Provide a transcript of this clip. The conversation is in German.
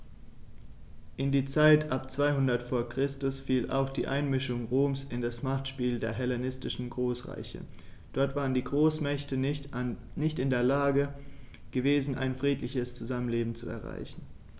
In die Zeit ab 200 v. Chr. fiel auch die Einmischung Roms in das Machtspiel der hellenistischen Großreiche: Dort waren die Großmächte nicht in der Lage gewesen, ein friedliches Zusammenleben zu erreichen.